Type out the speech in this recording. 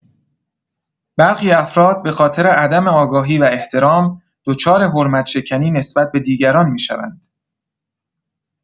برخی افراد به‌خاطر عدم آگاهی و احترام، دچار حرمت‌شکنی نسبت به دیگران می‌شوند.